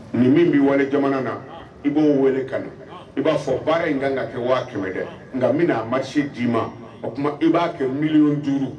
Nin min bɛ wale jamana na i b'o wele ka na, i b'a fɔ baara in kan ka kɛ 500 000F kɛ, nka n bɛn'a marché d'i ma o tuma i b'a kɛ 5 000 000F